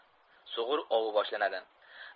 sug'ur ovi boshlanadi